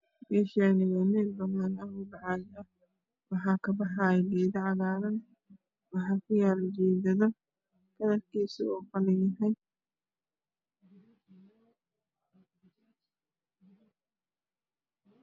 Meshan waa mel bsnan ah oo bacad ah waxa kabaxayo geedo cagar waxakuyalo jigado kalarkis oo qalin yahay